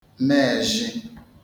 ma ẹzhi